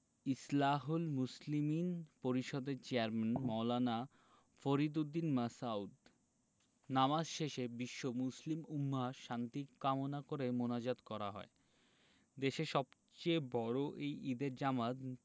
ইসলাহুল মুসলিমিন পরিষদের চেয়ারম্যান মাওলানা ফরিদ উদ্দীন মাসাউদ নামাজ শেষে বিশ্ব মুসলিম উম্মাহর শান্তি কামনা করে মোনাজাত করা হয় দেশের সবচেয়ে বড় এই ঈদের জামাত